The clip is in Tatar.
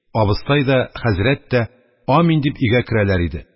Абыстай да, хәзрәт тә: «Амин!» – дип, өйгә керәләр иде.